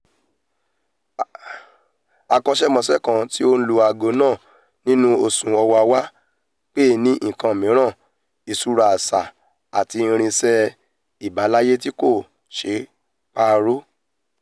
Akọ́ṣẹ́mọṣẹ́ kan tí ó lu aago náà nínú oṣù Ọ̀wàwà pè é ní nǹkan miran: ''Ìṣúra àṣà'' àti ''irin-isẹ́ ìbáláyé tí kò ṣeé pààrọ̀.''